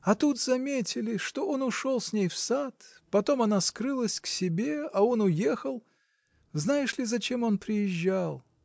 А тут заметили, что он ушел с ней в сад, потом она скрылась к себе, а он уехал. Знаешь ли, зачем он приезжал?